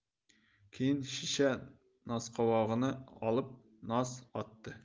keyin shisha nosqovog'ini olib nos otdi